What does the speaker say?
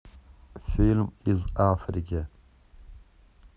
фильм из африки